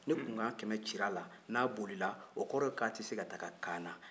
ni kunkan kɛmɛ cira a la n'a bolila o kɔrɔ ye ko a tɛ se ka taa kaana